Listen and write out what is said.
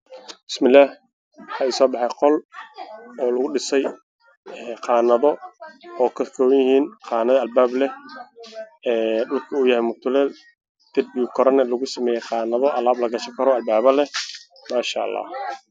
Meeshan waa jiko waxa ay leedahay qaanado iyo ku-shiinka wax lagu karsado kalarkeedu yahay qaxwi iyo cadaan